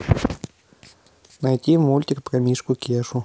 найди мультик про мишку кешу